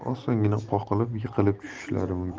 osongina qoqilib yiqilib tushishlari mumkin